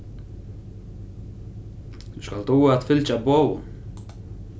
tú skalt duga at fylgja boðum